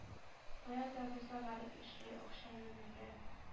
Кая да булса барып эшли, акча юнәтә.